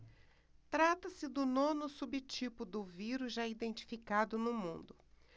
trata-se do nono subtipo do vírus já identificado no mundo